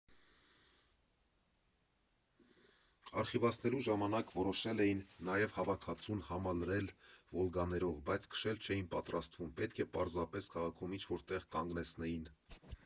Արխիվացնելու ժամանակ որոշել էին նաև հավաքածուն համալրել Վոլգաներով, բայց քշել չէին պատրաստվում, պետք է պարզապես քաղաքում ինչ֊որ տեղ կանգնեցնեին։